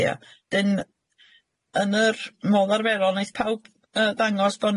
Diolhc, 'dyn yn yr modd arferol neith pawb yy ddangos bo'